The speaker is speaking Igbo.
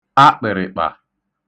akpị̀rị̀kpà